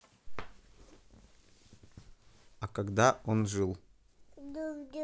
а когда он жил